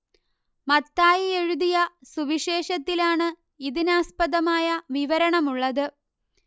മത്തായി എഴുതിയ സുവിശേഷത്തിലാണ് ഇതിനാസ്പദമായ വിവരണമുള്ളത്